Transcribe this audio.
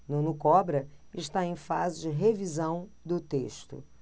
nuno cobra está em fase de revisão do texto